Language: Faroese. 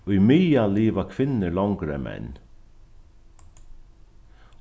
í miðal liva kvinnur longur enn menn